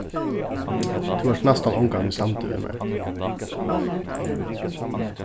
tú ert næstan ongantíð samdur við mær